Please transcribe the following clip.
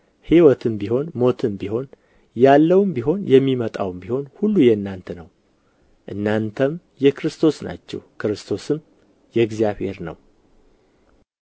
ሕይወትም ቢሆን ሞትም ቢሆን ያለውም ቢሆን የሚመጣውም ቢሆን ሁሉ የእናንተ ነው እናንተም የክርስቶስ ናችሁ ክርስቶስም የእግዚአብሔር ነው